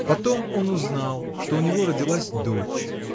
Потом он узнал, что у него родилась дочь